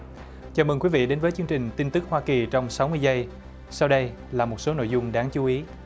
chào mừng quý vị đến với chương trình tin tức hoa kỳ trong sáu mươi giây sau đây là một số nội dung đáng chú ý